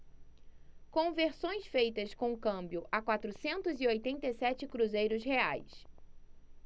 conversões feitas com câmbio a quatrocentos e oitenta e sete cruzeiros reais